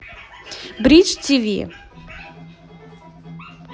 бридж тв